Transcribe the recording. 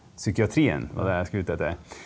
psykiatrien var det jeg skulle ute etter.